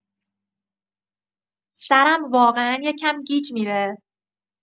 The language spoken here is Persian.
سرم واقعا یکم گیج می‌ره.